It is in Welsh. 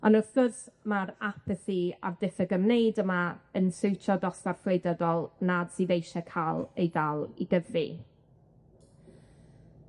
On' wrth gwrs, ma'r apathi a'r diffyg ymwneud yma yn siwtio dosbarth gwleidyddol nad sydd eisiau ca'l ei dal i gyfri.